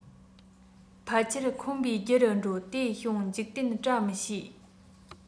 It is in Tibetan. ཕལ ཆེར འཁོན པའི རྒྱུ རུ འགྲོ དེ བྱུང འཇིག རྟེན བཀྲ མི ཤིས